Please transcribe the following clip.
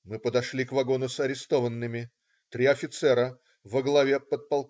Мы подошли к вагону с арестованными. Три офицера, во главе подп.